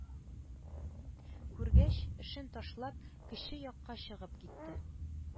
Күргәч, эшен ташлап, кече якка чыгып китте